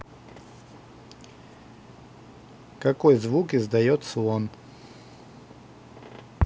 какой звук издает слон